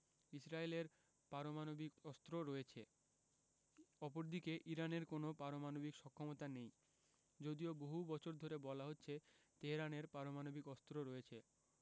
ইসরায়েলের পারমাণবিক অস্ত্র রয়েছে অপরদিকে ইরানের কোনো পারমাণবিক সক্ষমতা নেই যদিও বহু বছর ধরে বলা হচ্ছে তেহরানের পারমাণবিক অস্ত্র রয়েছে